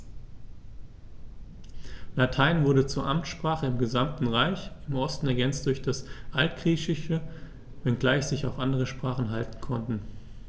Latein wurde zur Amtssprache im gesamten Reich (im Osten ergänzt durch das Altgriechische), wenngleich sich auch andere Sprachen halten konnten.